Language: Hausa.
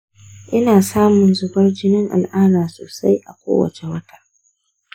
ina samun zubar jinin al’ada sosai a kowace wata.